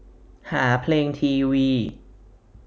หาเพลงทีวี